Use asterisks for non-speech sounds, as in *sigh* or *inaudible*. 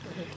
*hesitation* *hesitation*